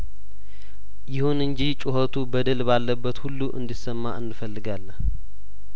ይሁን እንጂ ጩኸቱ በደል ባለበት ሁሉ እንዲ ሰማ እንፈልጋለን